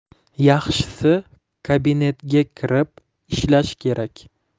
yaxshisi kabinetga kirib ishlash kerak